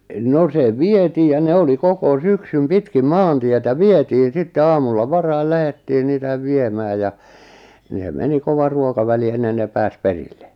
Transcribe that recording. no se vietiin ja ne oli koko syksyn pitkin maantietä vietiin sitten aamulla varhain lähdettiin niitä viemään ja niin he meni kovan ruokavälin ennen ne pääsi perille